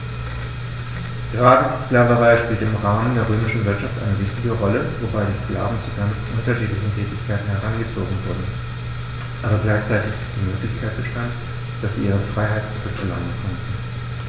Gerade die Sklaverei spielte im Rahmen der römischen Wirtschaft eine wichtige Rolle, wobei die Sklaven zu ganz unterschiedlichen Tätigkeiten herangezogen wurden, aber gleichzeitig die Möglichkeit bestand, dass sie ihre Freiheit zurück erlangen konnten.